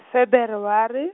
Feberware.